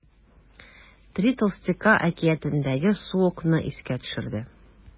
“три толстяка” әкиятендәге суокны искә төшерде.